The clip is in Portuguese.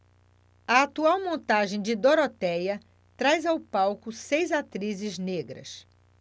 a atual montagem de dorotéia traz ao palco seis atrizes negras